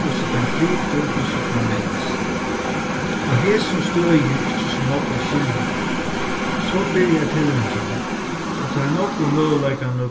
hvussu tað flytur og so framvegis á hesum støði er ikki so nógv at skilja so byrjar telvingin og teir nógvu møguleikarnir